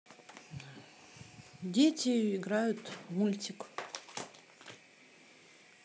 дети играют мультик